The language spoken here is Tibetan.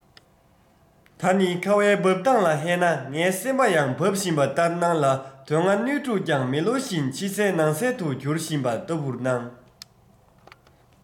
ད ནི ཁ བའི འབབ སྟངས ལ ཧད ན ངའི སེམས པ ཡང འབབ བཞིན པ ལྟར སྣང ལ དོན ལྔ སྣོད དྲུག ཀྱང མེ ལོང བཞིན ཕྱི གསལ ནང གསལ དུ འགྱུར བཞིན པ ལྟ བུར སྣང